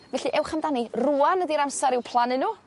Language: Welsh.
Felly ewch amdani rŵan ydi'r amser i'w plannu n'w